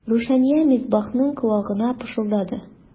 Рушания Мисбахның колагына пышылдады.